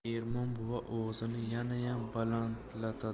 ermon buva ovozini yanayam balandlatadi